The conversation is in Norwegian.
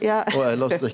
ja .